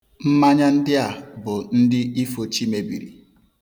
Mmanya ndị a bụ ndị ifo chi mebiri.